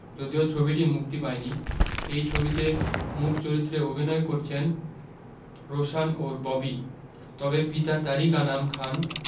যদিও ছবিটি মুক্তি পায়নি এই ছবিতে মূখ চরিত্রে অভিনয় করছেন রোশান ও ববি তবে পিতা তারিক আনাম খান